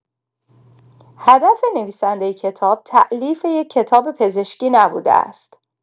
هدف نویسنده کتاب، تالیف یک کتاب پزشکی نبوده است.